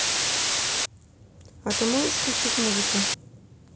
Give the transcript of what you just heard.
а ты можешь включить музыку